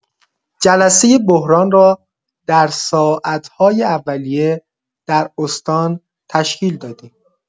جلسه بحران را در ساعت‌های اولیه در استان تشکیل دادیم.